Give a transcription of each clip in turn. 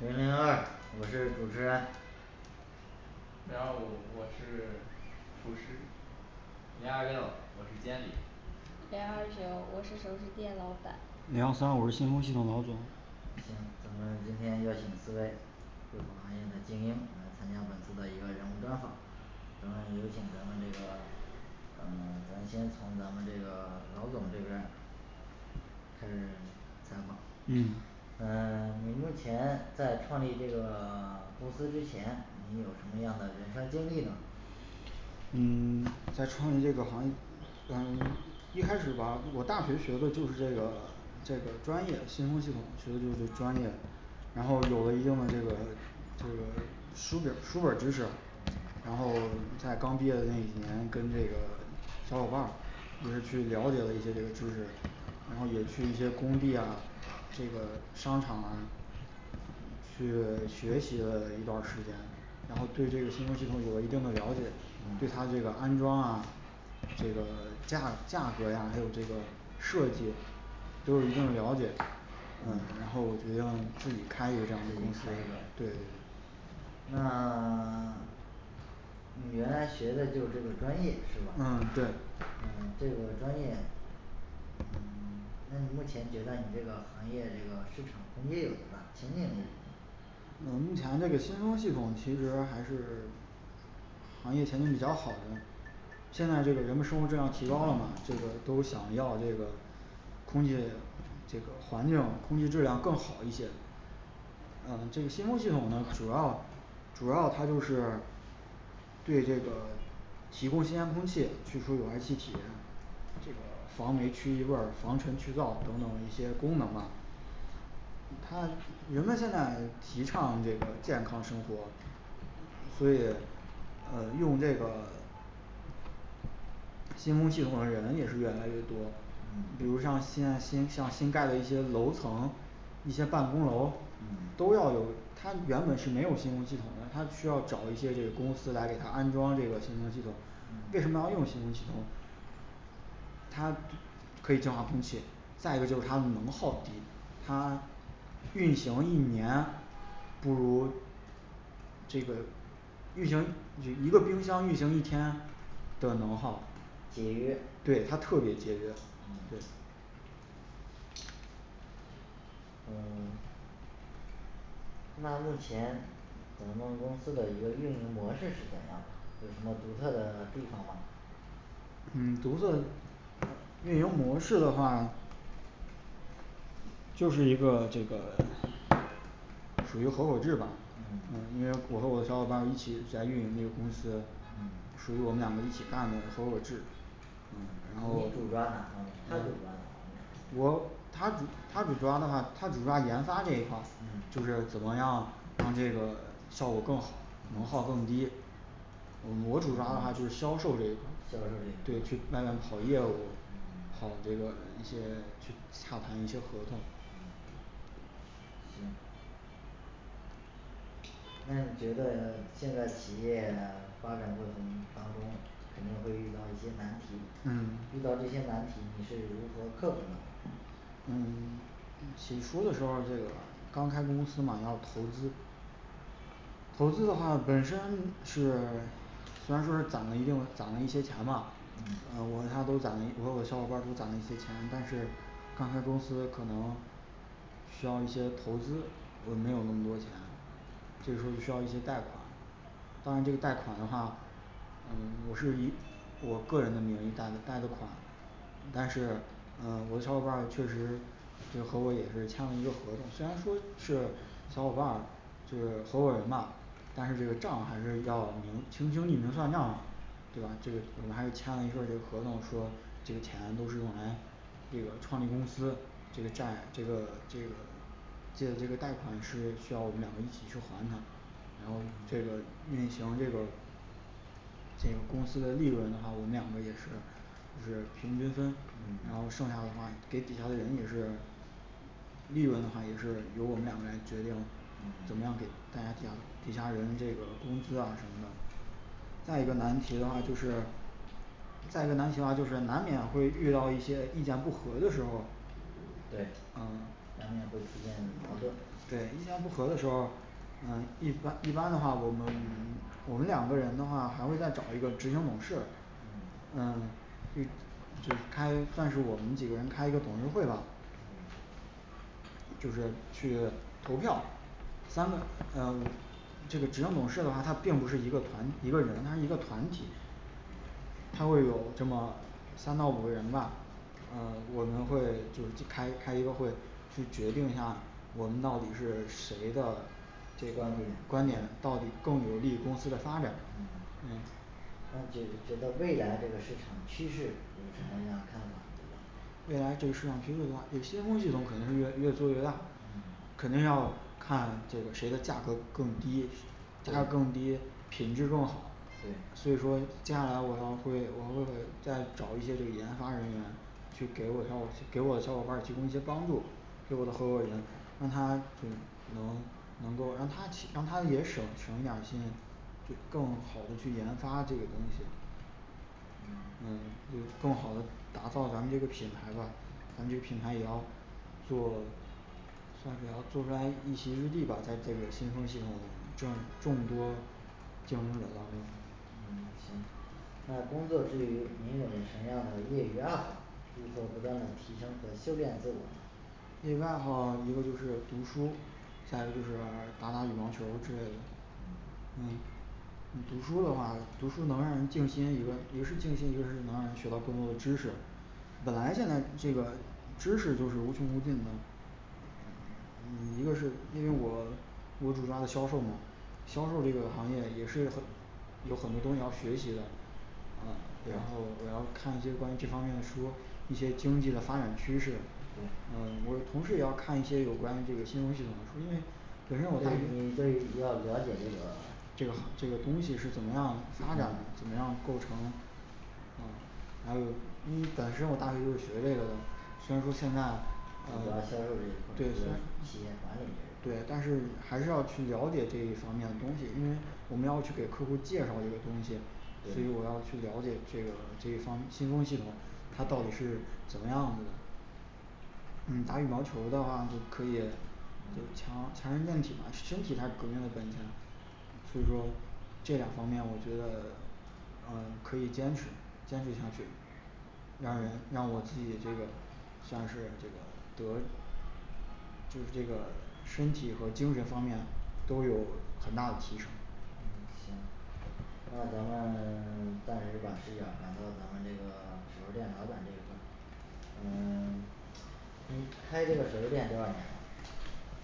零零二我是主持人零幺五我是厨师零二六我是监理零二九我是首饰店老板零幺三我是新风系统老总行咱们今天就请四位不同行业的精英来参加本次的一个人物专访行了有请咱们这个嗯 咱先从咱们这个老总这边儿开始采访嗯嗯 你目前在创立这个 公司之前你有什么样的其他经历吗嗯 在创立这个行嗯 一开始吧我大学学的就是这个 这个专业的新风系统学的就这专业然后有了一定的这个这个书里儿书本儿知识。然后嗯在刚毕业的那一年跟这个 小伙伴儿就是去了解这些个知识，然后也去一些工地呀这个商场啊去 学习了一段儿时间，然后对这个新风系统有了一定的了解对它这个安装啊这个 价价格呀还有这个设计都有一定了解，嗯然后我决定自己开自己开一一个这样的对对对个那 你原来学的就这个专业是吧嗯嗯对这个专业那你目前觉得你这个行业这个市场空间有多大，前景有多嗯目前这个新风系统其实还是行业前景比较好的现在这个人们生活质量提高了嘛，这个都想要这个空气这个环境空气质量更好一些啊这个新风系统呢主要主要它就是对这个提供新鲜空气祛除有害气体这个防霉去异味儿防尘去噪等等一些功能啊嗯人们现在提倡这个健康生活所以呃用这个新风系统的人也是越来越多。比如嗯像现在新像新盖的一些楼层一些办公楼，嗯都要有，他们原本是没有新风系统的，他们需要找一些这个公司来给他安装这个新风系统为什么要嗯用新风系统它既可以净化空气，再一个就是它的能耗低，它运行一年不如这个运行就是一个冰箱运行一天的能耗节，约对它特别节约对嗯嗯那目前咱们公司的一个运营模式是怎么样？有什么独特的地方吗？嗯独特运营模式的话就是一个这个属于合伙制吧因为嗯我和我的小伙伴一起在运营这个公司属嗯于我们两个一起干的合伙制嗯然后你主抓哪方面他主抓哪方面我他主他主抓的话他主抓研发这一块儿就嗯是怎么样让这个效果更好能耗嗯更低嗯我主抓的话就销售这一销售这对去一外方面跑业务，跑嗯这个一些去洽谈一些合同嗯行嗯嗯起初的时候儿这刚开公司嘛然后投资，投资的话本身是虽然说是攒了一定的攒了一些钱吧，呃嗯我和他都攒了一，我和我小伙伴儿都攒了一些钱，但是刚开公司可能需要一些投资，我没有那么多钱就是说需要一些贷款当然这贷款的话嗯我是以我个人的名义贷的贷的款但是嗯我的小伙伴儿确实就和我也是签了一个合同，虽然说是小伙伴儿这个合伙人吧但是这个帐还是要明亲兄弟明算账嘛对吧这我们还是签了一份儿这个合同，说这个钱都是用来这个创立公司这个债这个这个借这个贷款是需要我们两个一起去还的，然后这个运行这个这个公司的利润的话，我们两个也是就是平均分，然后剩嗯下的话给底下的人也是利润的话也是由我们两个来决定的，怎么样给嗯大家进行底下人这个工资啊什么的再一个难题的话就是再一个难题的话就是难免会遇到了一些意见不合的时候儿对难免会出现矛盾对意见不合的时候儿嗯一般一般的话我们人我们两个人的话还会再找一个执行董事嗯嗯这一起开算是我们几个人开一个董事会吧嗯就是去投票，三个呃这个执行董事的话，它并不是一个团一个人，它是一个团体它会有这么三到五个人吧嗯我们会就是开开一个会去决定一下我们到底是谁的这观观点点到底更有利于公司的发展嗯嗯那就觉得未来这个市场趋势有什么样看法未来这个市场趋势的话对新风系统肯定是越越做越大，肯定嗯要看这个谁的价格更低价更低品质更好所对以说接下来我要会我们会再找一些这个研发人员去给我小伙儿给我的小伙伴儿提供一些帮助，给我的合伙人，让他对可能能够让他起让他也省省点儿心就更好的去研发这个东西嗯嗯为更好的打造咱们这个品牌吧咱们这个品牌也要做相对来说重在一席之地吧在这个新风系统众众多就这两方面嗯行那工作之余您有什么样的业余爱好，可以说不断的提升和修炼自我兴趣爱好一个就是读书，再一个就是打打羽毛球儿之类的嗯嗯读书的话读书能让人静心，也不是静心一个是能让你学到更多的知识。本来现在这个知识就是无穷无尽的嗯对我主要是看一些关于这方面的书，一些经济的发展趋势，我我我同时也要看一些有关于这个新风系统因为本身那我你对对于于要了解这这个个这个东西是怎么样发展的怎么样构成嗯还有第一本身我大学就是学这个的虽然说现在主抓销售这一对虽块然儿企业管理这对一块但儿是还是要去了解这一方面的东西因为我们要去给客户介绍这些东西所以我要去了解这个这一方新风系统它到底是怎么样的嗯打羽毛球的话就可以可以强强身建体嘛身体才是革命的本钱所以说这两方面我觉得嗯可以坚持坚持下去让人让我自己觉得算是这个得就这个身体和精神方面都有很大的提升行那咱们 暂时把视角儿转到咱们这个首饰店老板这一块儿嗯 你开这个首饰店多少年了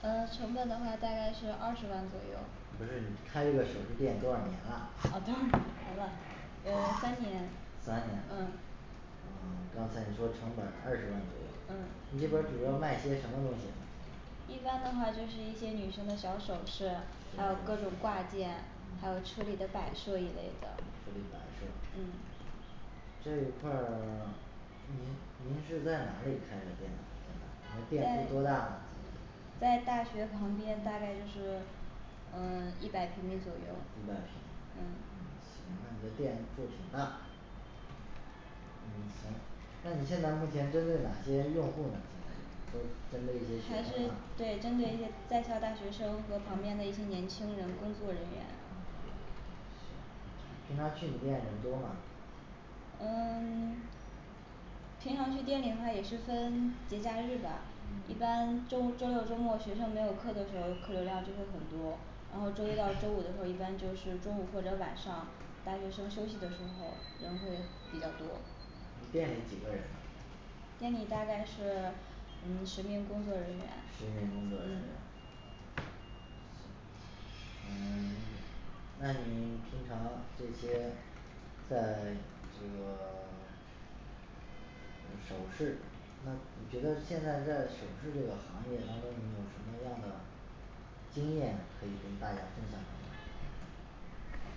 嗯成本的话大概是二十万左右不是你开这个首饰店多少年了啊多少 年了嗯三年三年了嗯嗯刚才你说成本儿二十万左右，你嗯这边儿主要卖些什么东西？一般的话就是一些女生的小首饰，还有小各手种挂饰件，还有车嗯里的摆设一类的车里摆设嗯这一块儿 您您是在哪里开的店呢？嗯那店铺多大在呢在大学旁边大概就是嗯一百平米左右一百平嗯嗯行那你的店铺挺大嗯平常去你店人多吗？嗯 平常去店里的话也是分节假日吧一嗯般周周六周末学生没有课的时候，客流量就会很多，然后周一到周五的时候，一般就是中午或者晚上，大学生休息的时候人会比较多你店里几个人呢店里大概是嗯十名工作人员十嗯名工作人员嗯嗯 你那你平常这些在 这个 嗯首饰那你觉得现在在首饰这个行业当中你有什么样的经验呢可以跟大家分享一下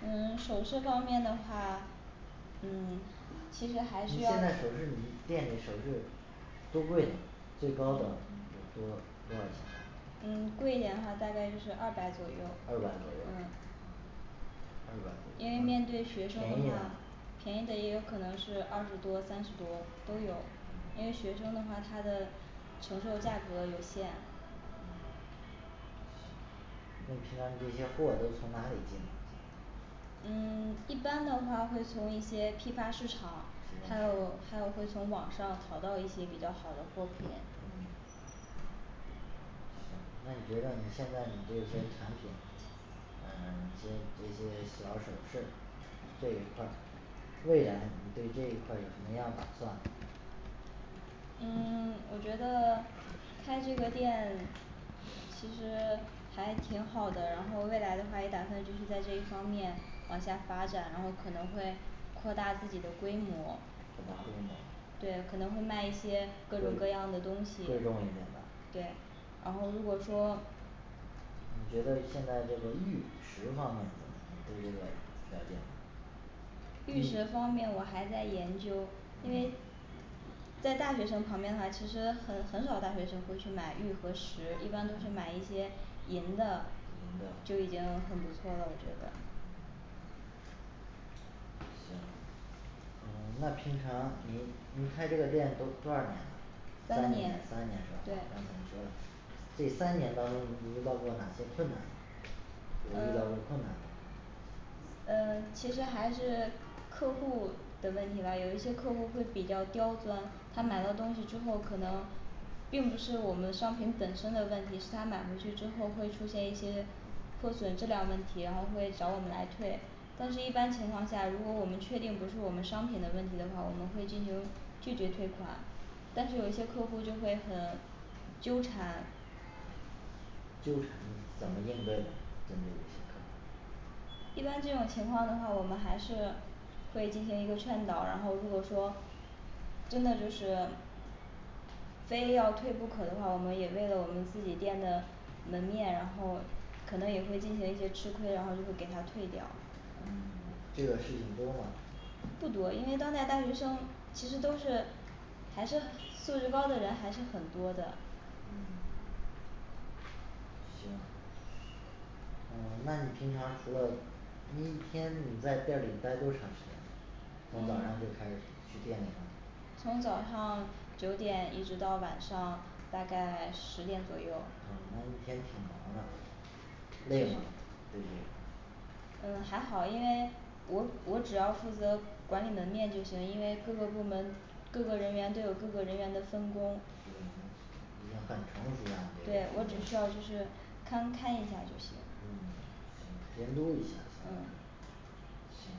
嗯首饰方面的话嗯其实你还是要现在首饰里店里首饰最贵的最高的多少多少钱嗯贵一点的话大概就是二百左右二嗯百左右嗯嗯二百因为便面宜对的学生们嘛便宜的也有可能是二十多三十多都有，因为学生的话他的承受价格有限嗯那其它那些货都是从哪里进的嗯一般的话会从一些批发市场还有还有会从网上淘到一些比较好的货品嗯行那你觉得你现在你对这些产品嗯一些这些小首饰这一块儿未来你对这一块儿有什么样打算吗嗯 我觉得开这个店其实还挺好的，然后未来的话也打算就是在这一方面往下发展，然后可能会扩大自己的规模扩大规模对，可能会卖一些各贵种各贵重样物的东西品对然后如果说你觉得现在这个玉石方面你会不会玉石玉方面我还在研究，因为嗯在大学生旁边话，其实很很少大学生会去买玉和石，一般都是嗯买一些银的，就银的已经很不错了我觉得嗯嗯那平常您您开这个店都多少年了三三年年三年是对吧啊三年多了这三年当中您遇到过哪些困难呢遇到过嗯困难吗嗯其实还是客户的问题吧有一些客户会比较刁钻，他买了东西之后可能并不是我们商品本身的问题，是他买回去之后会出现一些破损质量问题，然后会找我们来退，但是一般情况下，如果我们确定不是我们商品的问题的话，我们会进行拒绝退款。但是有一些客户就会很纠缠纠缠怎么应对的这个问题呢一般这种情况的话，我们还是会进行一个劝导，然后如果说真的就是非要退不可的话，我们也为了我们自己店的门面，然后可能也会进行一些吃亏，然后就是给他退掉。嗯这个事情多吗不多，因为当代大学生其实都是还是素质高的人还是很多的嗯行嗯那你平常除了你一天你在店儿里待多长时间从早上就嗯开始去店里吗从早上九点一直到晚上大概十点左右嗯那你一天挺忙的累吗累不累嗯还好，因为我我只要负责管理门面就行，因为各个部门各个人员都有各个人员的分工嗯一个对我只很需要就是长看看一下儿就行嗯行监督一下儿主要就是行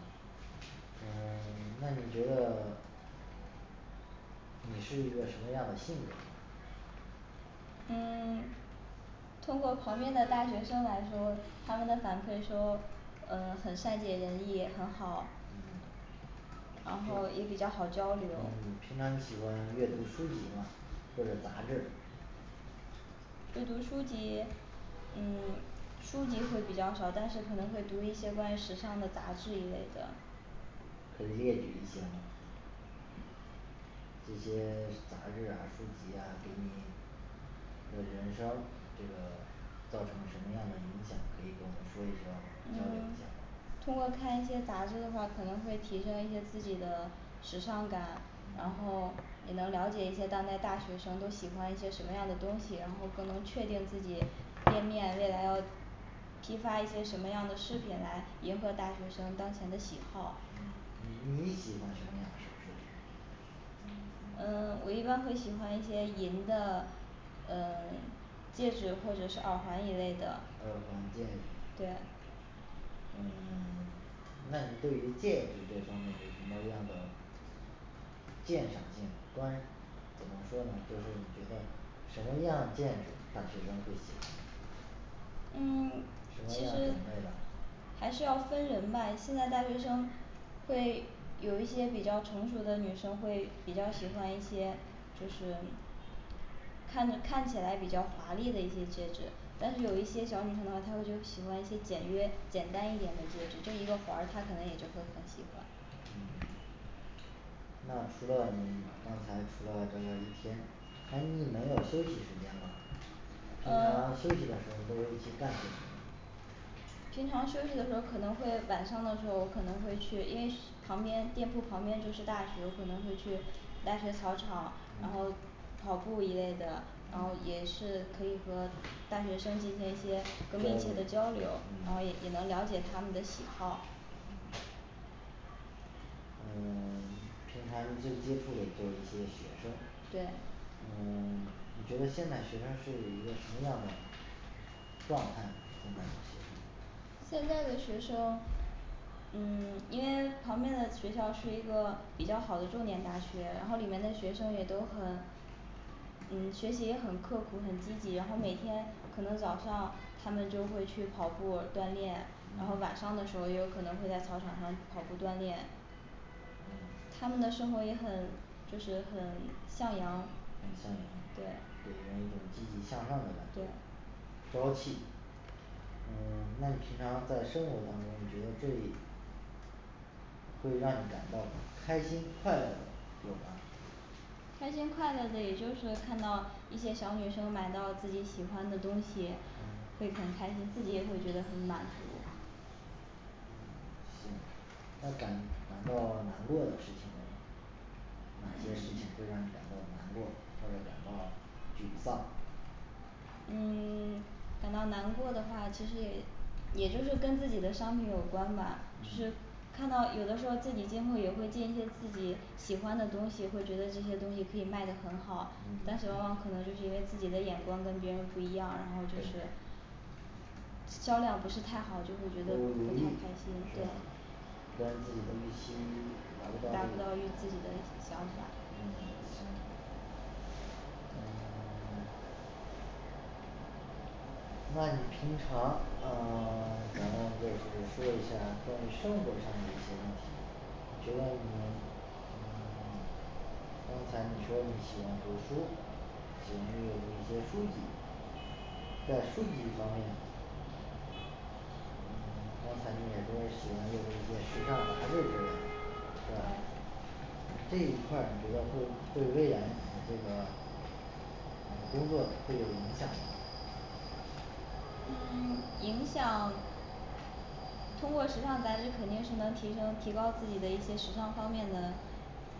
呃 那你觉得你是一个什么样的性格呢嗯 通过旁边的大学生来说，他们的反馈说呃很善解人意很好嗯然后也比较好交嗯流平常你喜欢阅读书籍吗或者杂志阅读书籍、嗯书籍会比较少，但是可能会读一些关于时尚的杂志一类的可以列举一些吗一些杂志啊书籍呀给你的人生这个造成什么样的影响，可以跟我们说一说交流一下吗嗯？通过看一些杂志的话，可能会提升一些自己的时尚感，然嗯后也能了解一些当代大学生都喜欢一些什么样的东西，然后可能确定自己店面未来要批发一些什么样的饰品来迎合大学生当前的喜好嗯你喜欢什么样的饰品？嗯我一般会喜欢一些银的嗯 戒指或者是耳环一类的，耳环戒指对嗯 那你对于戒指这方面有什么样的鉴赏性关怎么说呢就说你觉得什么样戒指大学生会喜欢什么样品味呢会有一些比较成熟的女生会比较喜欢一些就是看看起来比较华丽的一些戒指，但是有一些小女生可能她们就喜欢一些简约简单一点的戒指，就一个环儿她可能也就会很喜欢。嗯嗯平常休息的时候可能会晚上的时候我可能会去，因为旁边店铺旁边就是大学可能会去大学操场，然后嗯跑步一类的然后也嗯是可以和大学生进行一些沟通性的交交流流，然后也也能嗯了解他们的喜好。嗯对现在的学生嗯 因为旁边的学校是一个比较好的重点大学，然后里面的学生也都很嗯学习也很刻苦很积极，然后每天可能早上他们就会去跑步锻炼，然后晚嗯上的时候也有可能会在操场上跑步锻炼，嗯他们的生活也很就是很向阳很向阳就对有一种积极向上的感对觉朝气嗯那你平常在生活当中，你觉得最最让你感觉到开心快乐有吗开心快乐的，也就是看到一些小女生买到自己喜欢的东西，会很开心，自己也会觉得很满足嗯行。那感感到难过的事情呢哪件事情会让你感到难过或者感到沮丧嗯 感到难过的话，其实也也就是跟自己的商品有关吧就是嗯嗯对销量不是太好，就会不觉得如不意太开心是吧跟预期达达不不到到预期里的想法嗯行嗯 那你平常呃 咱们这次说一下关于生活上的一些问题觉得你你你刚才你说你喜欢读书有时候儿读一些书籍在兴趣方面这一块儿你觉得会对未来这个工作会有影响吗嗯 影响通过时尚杂志肯定是能提升提高自己的一些时尚方面的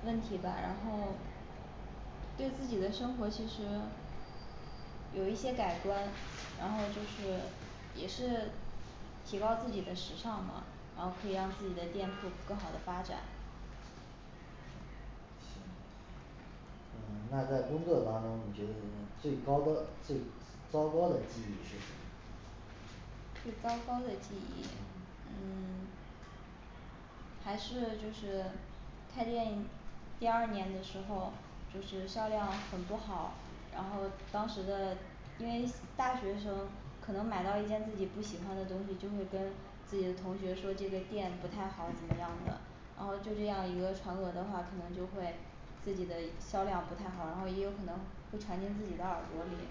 问题吧，然后对自己的生活其实有一些改观。然后就是也是提高自己的时尚嘛，然后可以让自己的店铺更好的发展。行嗯那在工作当中你觉得你最高的最糟糕的记忆是什么最糟糕的记忆嗯嗯 还是就是开店第二年的时候就是销量很不好，然后当时的因为大学生可能买到一件自己不喜欢的东西，就会跟自己的同学说这个店不太好怎么样的，然后就这样以讹传讹的话，可能就会自己的销量不太好，然后也有可能会传进自己的耳朵里